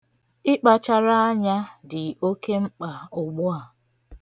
Ịkpachara anya dị oke mkpa ugbu a.